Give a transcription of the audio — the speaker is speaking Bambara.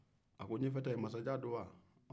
a ko ɲɛfɛta in ye masajan ye wa